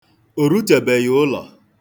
O rutebeghị ụlọ.